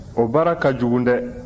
o baara ka jugu de